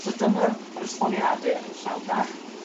So dyma yr esboniade yn llawnach